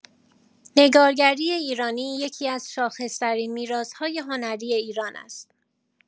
نگارگری ایرانی یکی‌از شاخص‌ترین میراث‌های هنری ایران است.